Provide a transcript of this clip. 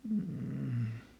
mm